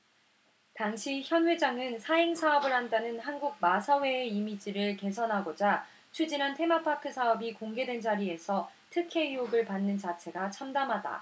당시 현 회장은 사행사업을 한다는 한국마사회의 이미지를 개선하고자 추진한 테마파크 사업이 공개된 자리에서 특혜 의혹을 받는 자체가 참담하다